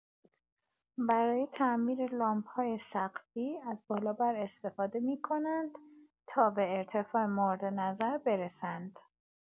برای تعمیر لامپ‌های سقفی از بالابر استفاده می‌کنند تا به ارتفاع مورد نظر برسند.